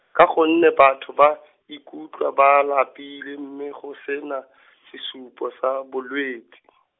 ka gonne batho ba, ikutlwa ba lapile mme go sena , sesupo sa bolwetsi.